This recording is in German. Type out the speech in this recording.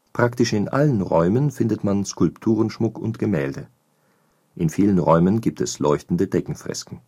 Praktisch in allen Räumen findet man Skulpturenschmuck und Gemälde. In vielen Räumen gibt es leuchtende Deckenfresken